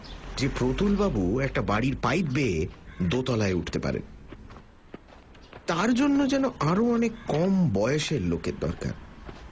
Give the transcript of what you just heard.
যে প্রতুলবাবু একটা বাড়ির পাইপ বেয়ে দোতলায় উঠতে পারেন তার জন্য যেন আরও অনেক কম বয়সের লোকের দরকার